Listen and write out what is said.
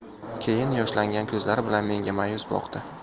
keyin yoshlangan ko'zlari bilan menga ma'yus boqdi